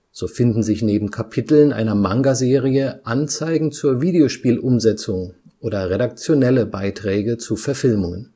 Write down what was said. so finden sich neben Kapiteln einer Mangaserie Anzeigen zur Videospielumsetzung oder redaktionelle Beiträge zu Verfilmungen